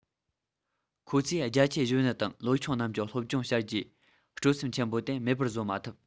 ཁོ ཚོས རྒྱ ཆེའི གཞོན ནུ དང ལོ ཆུང རྣམས ཀྱི སློབ སྦྱོང བྱ རྒྱུའི སྤྲོ སེམས ཆེན པོ དེ མེད པར བཟོ མ ཐུབ